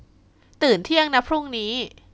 ตื่นเที่ยงนะพรุ่งนี้